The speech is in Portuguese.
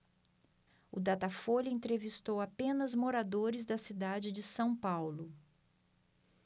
o datafolha entrevistou apenas moradores da cidade de são paulo